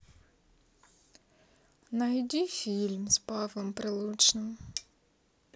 найди фильм с павлом прилучным